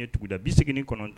Tugu da bin segin kɔnɔ